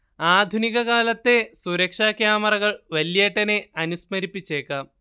ആധുനികകാലത്തെ സുരക്ഷാ ക്യാമറകൾ വല്യേട്ടനെ അനുസ്മരിപ്പിച്ചേക്കാം